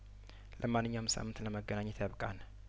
ለማንኛውም ሳምንት ለመገናኘት ያብቃን